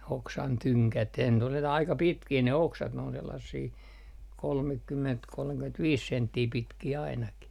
oksan tyngät aika pitkiä ne oksat ne on sellaisia kolmekymmentä kolmekymmentäviisi senttiä pitkiä ainakin